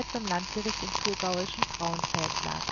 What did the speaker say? beim Landgericht im thurgauischen Frauenfeld lag